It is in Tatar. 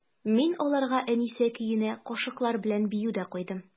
Мин аларга «Әнисә» көенә кашыклар белән бию дә куйдым.